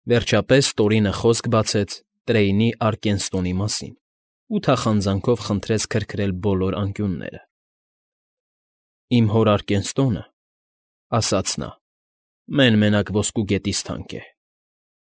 Վերջապես Տորինը խոսք բացեց Տրեյնի Արկենստոնի մասին ու թախանձանքով խնդրեց քրքրել բոլոր անկյունները։ ֊ Իմ հոր Արկենստոնը,֊ ասաց նա,֊ մեկ֊մենակ ոսկու գետից թանկ է,